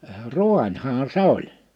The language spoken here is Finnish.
raanihan se oli